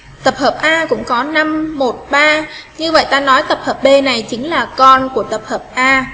tập hợp a gồm có ba như vậy ta nói tập hợp b này chính là con của tập hợp a